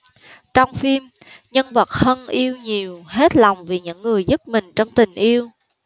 trong phim nhân vật hân yêu nhiều hết lòng vì những người giúp mình trong tình yêu